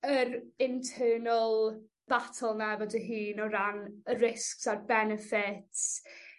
yr internal battle 'na efo dy hun o ran y risgs a'r benefits